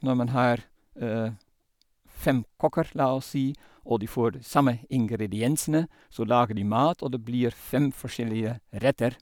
Når man har fem kokker, la oss si, og de får samme ingrediensene, så lager de mat, og det blir fem forskjellige retter.